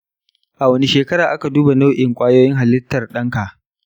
a wane shekara aka duba nau’in kwayoyin halittar ɗanka?